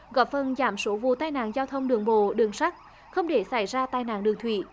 góp phần giảm số vụ tai nạn giao thông đường bộ đường sắt không để xảy ra tai nạn đường thủy